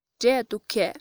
འབྲས འདུག གས